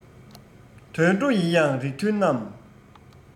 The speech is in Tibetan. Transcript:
དུད འགྲོ ཡིན ཡང རིགས མཐུན རྣམས